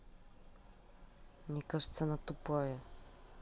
мне кажется она тупая